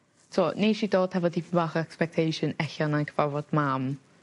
so nesh i dod hefo dipyn bach o expectation e'lla 'nai cyfarfod mam